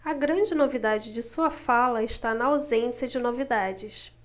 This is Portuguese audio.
a grande novidade de sua fala está na ausência de novidades